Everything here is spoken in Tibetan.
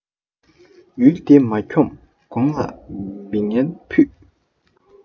ཡུལ བདེ མ འཁྱོམས གོང ལ མི ངན ཕུད